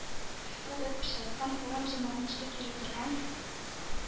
— ул эт пычраткан урам җәмәгатьчелек йөри торган